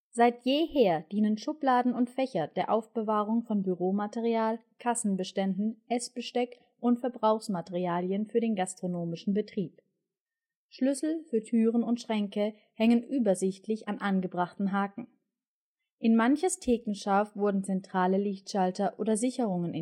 Seit jeher dienen Schubladen und Fächer der Aufbewahrung von Büromaterial, Kassenbeständen, Essbesteck und Verbrauchsmaterialien für den gastronomischen Betrieb. Schlüssel für Türen und Schränke hängen übersichtlich an angebrachten Haken. In manches Thekenschaaf wurden zentrale Lichtschalter oder Sicherungen